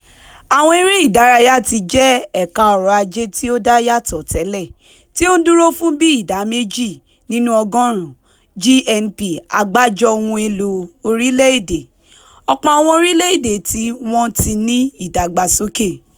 Àwọn eré ìdárayá ti jẹ́ ẹ̀ka ọrọ̀-ajé tí ó dá yàtọ̀ tẹ́lẹ̀, tí ó ń dúró fún bíi ìdá 2% GNP(Àgbájọ Ohun-èlò Orílẹ̀-èdè) ọ̀pọ̀ àwọn orílẹ̀-èdè tí wọ́n ti ní ìdàgbàsókè.